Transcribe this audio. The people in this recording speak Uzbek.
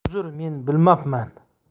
uzr men bilmabman